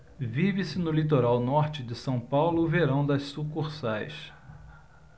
vive-se no litoral norte de são paulo o verão das sucursais